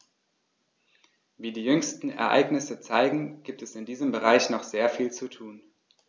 Wie die jüngsten Ereignisse zeigen, gibt es in diesem Bereich noch sehr viel zu tun.